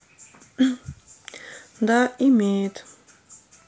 да имеет